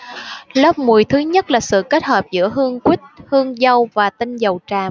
lớp mùi thứ nhất là sự kết hợp giữa hương quýt hương dâu và tinh dầu tràm